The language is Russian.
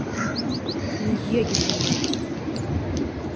miyagi блядь